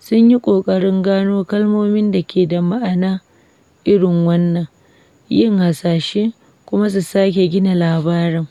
sun yi ƙoƙarin gano kalmomin da ke da ma'ana irin wannan, yin hasashe, kuma su sake gina labarin.